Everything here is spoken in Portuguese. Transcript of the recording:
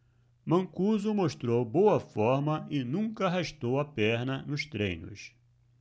mancuso mostrou boa forma e nunca arrastou a perna nos treinos